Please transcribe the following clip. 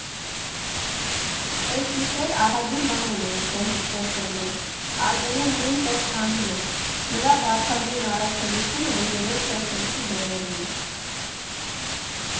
Էս գիշեր ահագին բան ունենք քո հետ խոսելու, ֊ Արմինեն նույնպես կանգնեց՝ նրա բարդագույն առաքելությունը ընկերոջը խելքի բերելն էր։